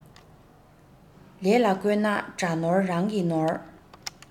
ལས ལ བཀོད ན དགྲ ནོར རང གི ནོར